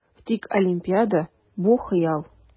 Тик Олимпиада - бу хыял!